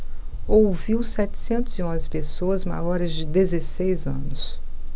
ouviu setecentos e onze pessoas maiores de dezesseis anos